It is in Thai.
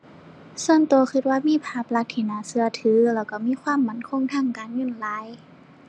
ส่วนตัวตัวว่ามีภาพลักษณ์ที่น่าตัวถือ แล้วตัวมีความมั่นคงทางการเงินหลาย